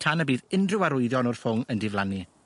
tan y bydd unryw arwyddion o'r ffwng yn diflannu.